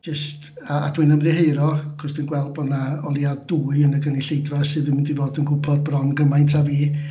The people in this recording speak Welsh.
jyst... a a dwi'n ymddiheuro, achos dwi'n gweld bod 'na o leia dwy yn y gynulleidfa sydd yn mynd i fod yn gwbod bron gymaint a fi.